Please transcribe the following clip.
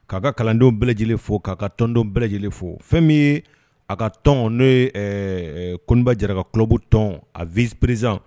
K'a ka kalandenw bɛɛ lajɛlen fo k'a ka tɔndon bɛɛ lajɛlenele fo fɛn min a ka tɔn n'o ye koba jɛra ka tulolɔbu tɔn a viperez